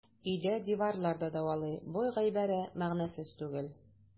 Өйдә диварлар да дәвалый - бу гыйбарә мәгънәсез түгел.